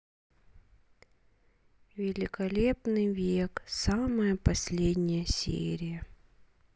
великолепный век самая последняя серия